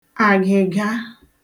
àgị̀ga